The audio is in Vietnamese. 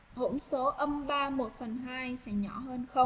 hỗn số số nhỏ hơn